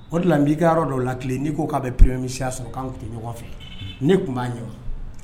O dilan' ii ka yɔrɔ dɔw la tile n'i ko k'a bɛ p pemisiya sɔrɔ k kan ɲɔgɔn fɛ ne tun b'a ɲɔ